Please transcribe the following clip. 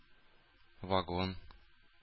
Вагон